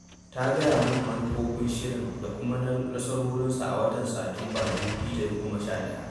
Ta gaya mana manufofin shirin da kuma nasarorinsa a watan Satumbar 2011.